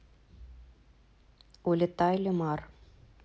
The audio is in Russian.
улетай лимар